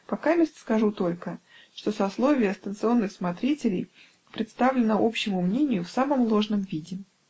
покамест скажу только, что сословие станционных смотрителей представлено общему мнению в самом ложном виде.